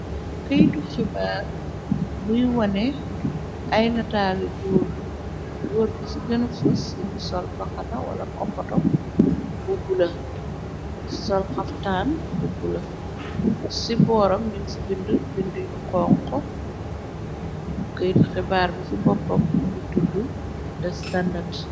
Këytu xibaar buyi wone ay nataali guur. Guur gi ci gëna fos ngi sor mbaxana wala koppatop bu buloo, sol xaftaan bu buloo, ci booram ñum ci binduyu xonxo, këytu xibaar bi ci boppam u ngi tuddu da standard.